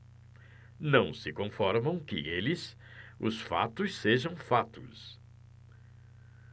não se conformam que eles os fatos sejam fatos